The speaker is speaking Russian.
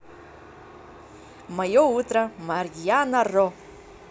мое утро марьяна ро